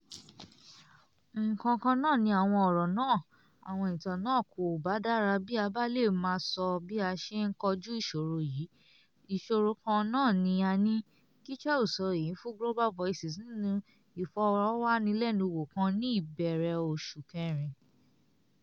Nǹkan kan náà ni àwọn ọ̀rọ̀ náà, àwọn ìtàn náà kò bá dára bí a bá lè máa sọ bí a ṣe ń kojú ìṣòro yìí; ìṣòro kan náà ni a ní,” Gicheru sọ èyí fún Global Voices nínú Ìfọ̀rọ̀wánilẹ́nuwò kan ní ìbẹ̀rẹ̀ oṣù kẹrin.